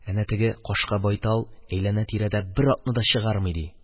Әнә теге кашка байтал әйләнә-тирәдә бер атны да чыгармый, ди.